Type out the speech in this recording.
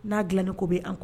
N'a dilannen ko bɛ'an kɔ